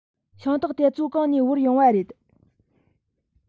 ཤིང ཏོག དེ ཚོ གང ནས དབོར ཡོང བ རེད